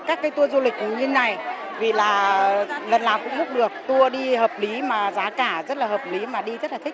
các cái tua du lịch như này vì là lần nào cũng búc được tua đi hợp lý mà giá cả rất là hợp lý mà đi rất là thích